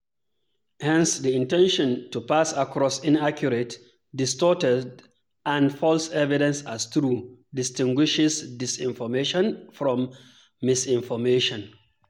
Hence, the intention to pass across inaccurate, distorted and false evidence as true, distinguishes dis-information from misinformation.